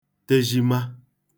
teshima